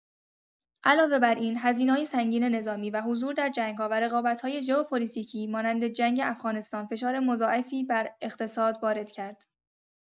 علاوه بر این، هزینه‌های سنگین نظامی و حضور در جنگ‌ها و رقابت‌های ژئوپلیتیکی مانند جنگ افغانستان فشار مضاعفی بر اقتصاد وارد کرد.